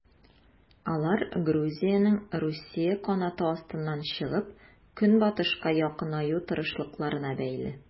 Алар Грузиянең Русия канаты астыннан чыгып, Көнбатышка якынаю тырышлыкларына бәйле.